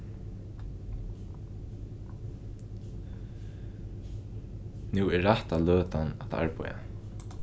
nú er rætta løtan at arbeiða